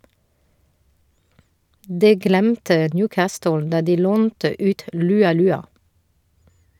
Det glemte Newcastle da de lånte ut Lualua.